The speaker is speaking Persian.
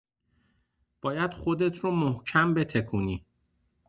باید خودت رو محکم بتکونی!